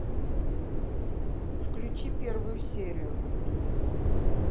включи первую серию